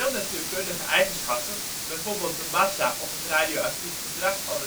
natuurkundige eigenschappen (bijvoorbeeld de massa of het radioactief gedrag van